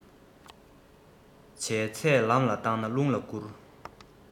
བྱས ཚད ལམ ལ བཏང ན རླུང ལ བསྐུར